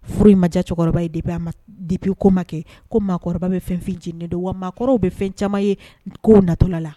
Furu in ma diya cɛkɔrɔba ye, depuis ko ma ma kɛ, ko maakɔrɔba bɛ fɛn o fɛn jenninen dɔn , wa maakɔrw bɛ fɛn caaman ye ko natɔla la!